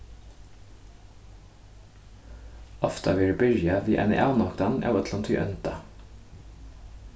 ofta verður byrjað við eini avnoktan av øllum tí ónda